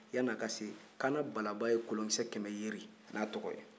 yanni a ka se kaana balaba ye kolonkisɛ kɛmɛ yeri n'a tɔgɔ ye